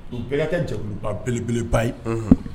U bɛɛ kɛ jabaelebeleba ye